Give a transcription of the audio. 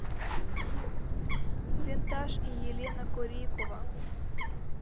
винтаж и елена корикова